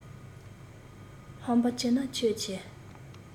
ཧམ པ ཆེ ན ཁྱོད ཆེ